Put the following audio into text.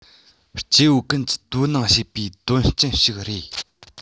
སྐྱེ བོ ཀུན གྱིས དོ སྣང བྱེད པའི དོན རྐྱེན ཞིག རེད